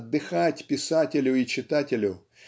отдыхать писателю и читателю